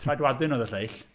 Traedwadyn oedd y lleill.